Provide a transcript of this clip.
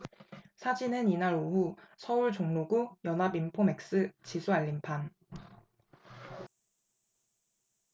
사진은 이날 오후 서울 종로구 연합인포맥스 지수 알림판